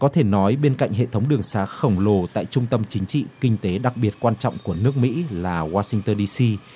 có thể nói bên cạnh hệ thống đường sá khổng lồ tại trung tâm chính trị kinh tế đặc biệt quan trọng của nước mỹ là goa sinh tơn đi xi